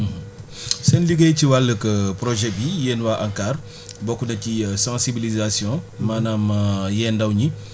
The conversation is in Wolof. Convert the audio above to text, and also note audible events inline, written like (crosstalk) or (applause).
(hesitation) (hesitation) (breath) seen liggéey ci wàllug (hesitation) projet bii yéen waa ANCAR (breath) bokk na ci (hesitation) sensibilisation maanaam (hesitation) yee ndaw ñi